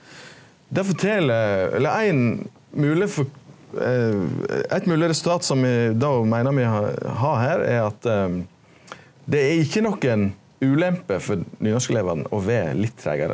det fortel eller ein mogleg eit mogleg resultat som me då meiner me har har her er at det er ikkje nokon ulempe for nynorskelevane og vere litt treigare.